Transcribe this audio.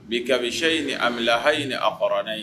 Bi kabiyayi ni ami haliyi ni a hɔrɔnɔrɔn ye